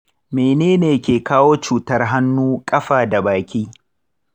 mene ne ke kawo cutar hannu, ƙafa, da baki?